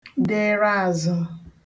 dịịra āzụ̄